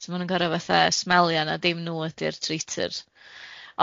So ma' nw'n goro fatha smaio na dim nw ydi'r treityrs.